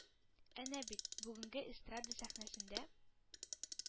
Әнә бит, бүгенге эстрада сәхнәсендә